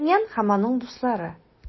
Д’Артаньян һәм аның дуслары.